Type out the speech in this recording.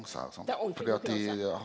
det ordentlig konkurranse.